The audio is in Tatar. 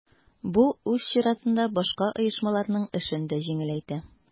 Бу үз чиратында башка оешмаларның эшен дә җиңеләйтә.